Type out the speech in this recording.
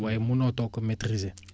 waaye munatoo ko maitriser